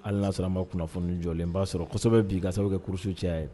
Hali n'a ya sɔrɔn ma kunnafoni jɔlenba sɔrɔ bi k'a sababu kɛ _couses w cayara.